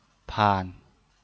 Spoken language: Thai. ผ่าน